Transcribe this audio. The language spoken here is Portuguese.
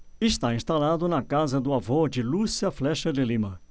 está instalado na casa do avô de lúcia flexa de lima